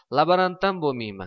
laborantam bo'lmayman